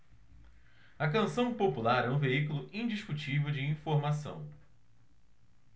a canção popular é um veículo indiscutível de informação